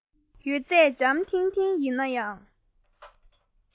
ཡོད ཚད འཇམ ཐིང ཐིང ཡིན ནའང